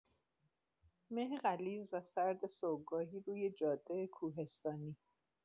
مه غلیظ و سرد صبحگاهی روی جاده کوهستانی